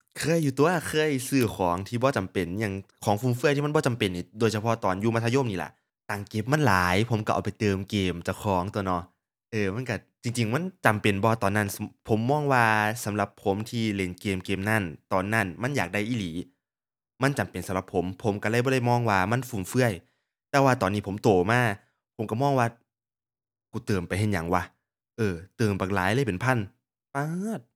คืออยู่ตั่ว เคยซื้อของที่บ่จำเป็นอิหยัง ของฟุ่มเฟือยที่มันบ่จำเป็นนี่โดยเฉพาะตอนอยู่มัธยมนี่ล่ะ ตังค์เก็บมันหลาย ผมก็เอาไปเติมเกมเจ้าของตั่วเนาะ เอ้อ มันก็ จริงจริงมันจำเป็นบ่ตอนนั้น ผมมองว่าสำหรับผมที่เล่นเกมเกมนั้น ตอนนั้นมันอยากได้อีหลี มันจำเป็นสำหรับผม ผมก็เลยบ่ได้มองว่ามันฟุ่มเฟือย แต่ว่าตอนนี้ผมโตมา ผมก็มองว่ากูเติมไปเฮ็ดหยังวะ เอ้อ เติมบักหลายเลยเป็นพัน ป๊าด